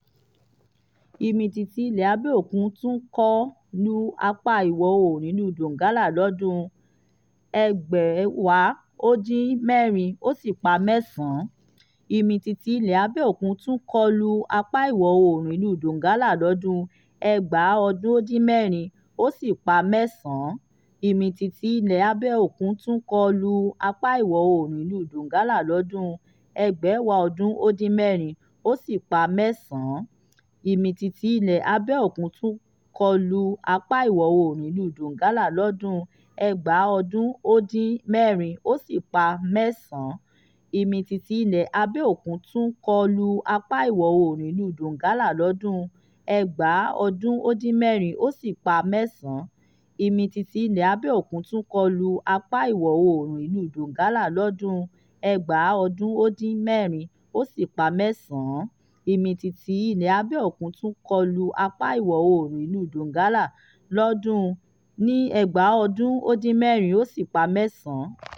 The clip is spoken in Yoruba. Ìmìtìtì ilẹ̀ abẹ́ òkun tún kọ lu apá ìwọ̀ oòrùn ìlú Donggala lọ́dún 1996, ó sì pa mẹ́sàn-án.